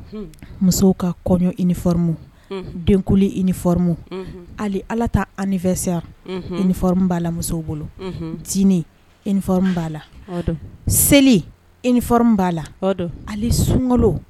Musow ka kɔɲɔ uniforme unhun denkuli uniforme unhun ali ala taa anniversaire unhun uniforme b'a la musow bolo unhun dinner uniforme b'a la o don seli uniforme b'a la o don ali sunkalo